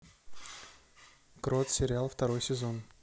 крот сериал второй сезон